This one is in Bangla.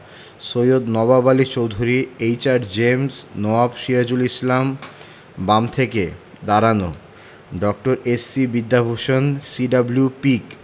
সৈয়দ নবাব আলী চৌধুরী এইচ.আর. জেমস নওয়াব সিরাজুল ইসলাম বাম থেকে দাঁড়ানো ড. এস.সি. বিদ্যাভূষণ সি.ডব্লিউ. পিক